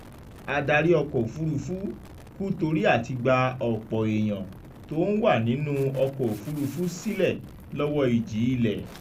Adarí Ọkọ̀ Òfurúfú Kú Torí Àtigba Ọ̀pọ̀ Èèyàn T’ọ́n Wà Nínú Ọkọ̀-òfúrufú Sílẹ̀ Lọ́wọ́ Ìjì-ilẹ̀